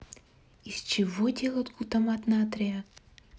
из чего делают глутамат натрия